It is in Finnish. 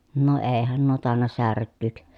no eihän nuo tainnut särkyä